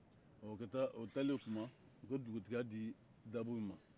ɔ o taalen kuma u ka dugutiya di dabow ma